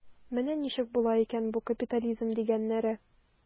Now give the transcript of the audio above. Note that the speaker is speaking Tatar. Менә ничек була икән бу капитализм дигәннәре.